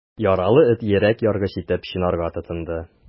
Яралы эт йөрәк яргыч итеп чинарга тотынды.